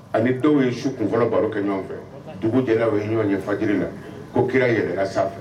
Ani dɔw ye su kunfɔlɔ baro kɛ ɲɔgɔn fɛ dugu jɛra bɛ ɲɔgɔn ɲɛfɔ faj la ko kira yɛlɛ sanfɛ